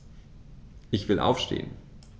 Ich will aufstehen.